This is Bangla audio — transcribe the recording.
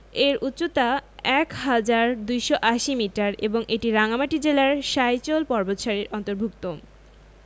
এর উচ্চতা ১হাজার ২৮০ মিটার এবং এটি রাঙ্গামাটি জেলার সাইচল পর্বতসারির অন্তর্ভূক্ত